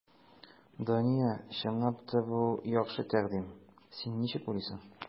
Дания, чынлап та, бу яхшы тәкъдим, син ничек уйлыйсың?